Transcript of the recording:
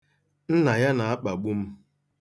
Nna ya na-akpagbu m.